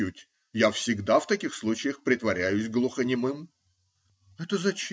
Я всегда в таких случаях притворяюсь глухонемым. -- Это зачем?